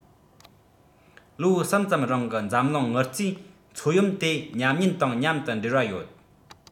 ལོ གསུམ ཙམ རིང གི འཛམ གླིང དངུལ རྩའི མཚོ ཡོམ དེ ཉམས ཉེན དང མཉམ དུ འབྲེལ བ ཡོད